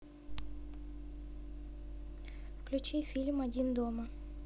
включи фильм один дома